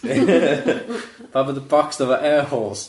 Pam fod y bocs efo air holes?